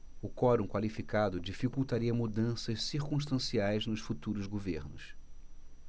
o quorum qualificado dificultaria mudanças circunstanciais nos futuros governos